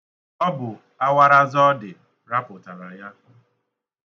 Ọ bụ awaraza ọ dị rapụtara ya.